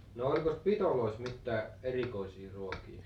no olikos pidoissa mitään erikoisia ruokia